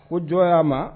O jɔn' ma